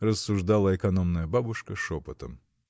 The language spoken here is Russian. — рассуждала экономная бабушка шепотом.